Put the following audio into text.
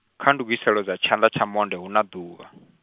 kha ndugiselo dza tshanḓa tsha monde hu na ḓuvha .